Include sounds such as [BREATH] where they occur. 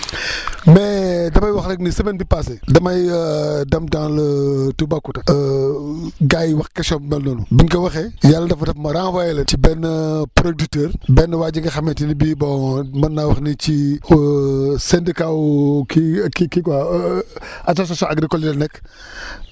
[BREATH] mais damay wax rek ni semaine bi passée damay [HESITATION] dem dans le [HESITATION] Toubacouta [HESITATION] gars yi wax question bu mel noonu bi ñu ko waxee yàlla dafa def ma renvoyer leen ci benn [HESITATION] producteur benn waa ji nga xamante ni bii bon mën naa wax ni ci [HESITATION] syndicat wu kii kii quoi [HESITATION] attestation agricole yi la nekk [BREATH]